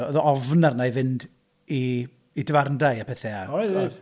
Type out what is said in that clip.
Oedd o ofn arna i fynd i dafarndai a pethau... Oedd 'fyd?